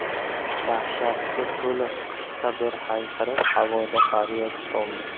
dahshatga to'liq qisqa bir hayqiriq havoda faryod soldi